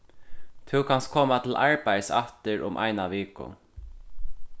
tú kanst koma til arbeiðis aftur um eina viku